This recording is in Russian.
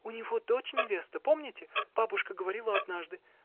— У него дочь невеста — помните, бабушка говорила однажды?